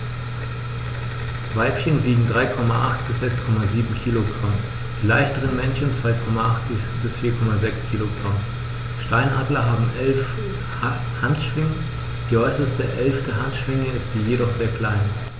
Weibchen wiegen 3,8 bis 6,7 kg, die leichteren Männchen 2,8 bis 4,6 kg. Steinadler haben 11 Handschwingen, die äußerste (11.) Handschwinge ist jedoch sehr klein.